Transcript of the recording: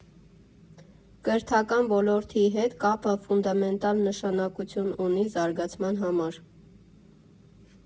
«Կրթական ոլորտի հետ կապը ֆունդամենտալ նշանակություն ունի զարգացման համար։